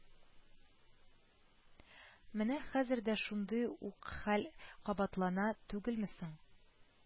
Менә хәзер дә шундый ук хәл кабатлана түгелме соң